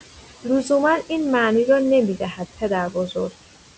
لزوما این معنی را نمی‌دهد پدربزرگ.